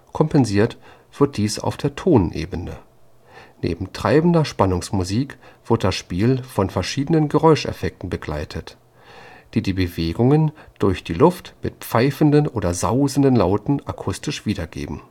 Kompensiert wird dies auf der Tonebene: Neben treibender Spannungsmusik wird das Spiel von verschiedenen Geräuscheffekten begleitet, die die Bewegungen durch die Luft mit pfeifenden oder sausenden Lauten akustisch wiedergeben